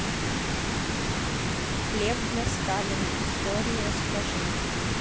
хлеб для сталина истории расскажи